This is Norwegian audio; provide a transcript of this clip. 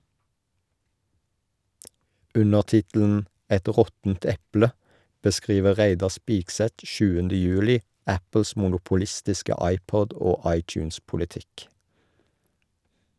Under tittelen "Et råttent eple" beskriver Reidar Spigseth 7. juli Apples monopolistiske iPod- og iTunes-politikk.